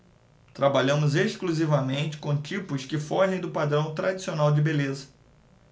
trabalhamos exclusivamente com tipos que fogem do padrão tradicional de beleza